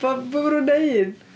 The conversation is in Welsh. B- be maen nhw'n wneud?